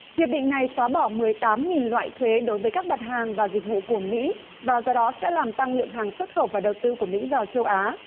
hiệp định này xóa bỏ mười tám nghìn loại thuế đối với các mặt hàng và dịch vụ của mỹ và do đó sẽ làm tăng lượng hàng xuất khẩu và đầu tư của mỹ vào châu á